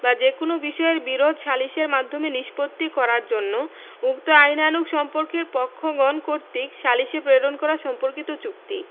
বা যে কোন বিষয়ের বিরোধ সালিসের মাধ্যমে নিষ্পত্তি করার জন্য উক্ত আইনানুগ সম্পর্কের পক্ষগণ কর্তৃক সালিসে প্রেরণ করা সম্পর্কিত চুক্তি